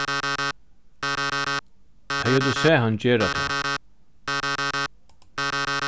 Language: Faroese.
tey høvdu sæð hann gera tað